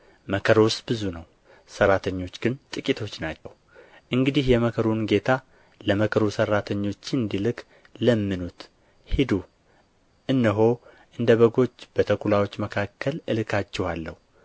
መከሩስ ብዙ ነው ሠራተኞች ግን ጥቂቶች ናቸው እንግዴህ የመከሩን ጌታ ለመከሩ ሠራተኞች እንዲልክ ለምኑት ሂዱ እነሆ እንደ በጎች በተኵላዎች መካከል እልካችኋለሁ